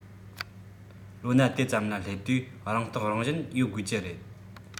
ལོ ན དེ ཙམ ལ སླེབས དུས རང རྟོགས རང བཞིན ཡོད དགོས ཀྱི རེད